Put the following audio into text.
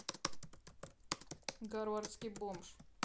гарвардский бомж